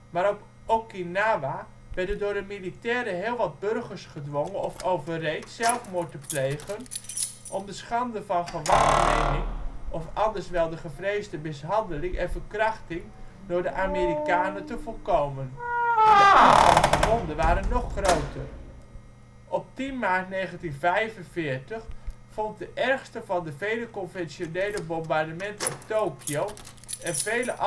maar op Okinawa werden door de militairen heel wat burgers gedwongen of overreed zelfmoord te plegen om de schande van gevangenneming, of anders wel de gevreesde mishandeling en verkrachting door de Amerikanen te voorkomen. De aantallen gewonden waren nog groter. Op 10 maart 1945 vond de ergste van de vele conventionele bombardementen op Tokio en